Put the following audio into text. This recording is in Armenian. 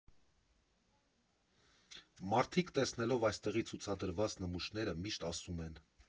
Մարդիկ, տեսնելով այստեղի ցուցադրված նմուշները, միշտ ասում են.